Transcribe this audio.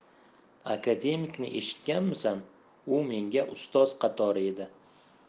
akademikni eshitganmisan u menga ustoz qatori edi